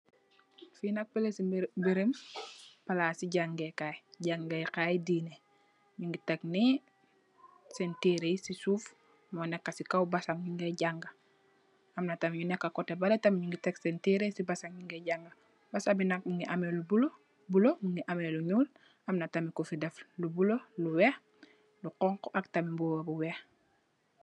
Fee nak polise merem plase jagekay jagekay deene nuge tek ne sen tereh ye se suff mu neka se kaw basang bonu jaga amna tam yu neka koteh bale tam nuge tek sen tereh ye se basang nuge jaga basang be nak muge ameh lu bulo muge ameh lu nuul amna tam kufe def lu bulo lu weex lu xonxo ak tam mubu bu weex.